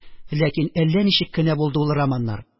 Ләкин әллә ничек кенә булды ул романнар